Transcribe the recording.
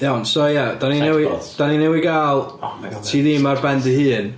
Iawn, so ia dan ni newydd... sexbots ... Dan ni newydd gael ti ddim ar ben dy hun.